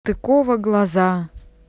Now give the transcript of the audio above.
салтыкова глаза